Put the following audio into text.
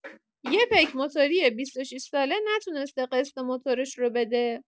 یه پیک موتوری ۲۶ ساله نتونسته قسط موتورش رو بده.